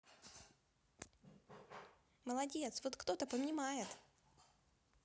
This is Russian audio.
молодец вот кто то понимает